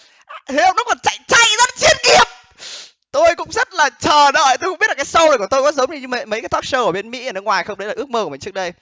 thấy không rất là chạy chay rất chuyên nghiệp tôi cũng rất là chờ đợi tôi không biết là cái sâu này của tôi có giống như mấy cái thoóc sâu ở bên mỹ ở nước ngoài không đấy là ước mơ của mình trước đây